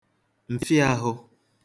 m̀fịaāhụ̄